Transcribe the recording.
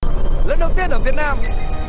lần đầu tiên ở việt nam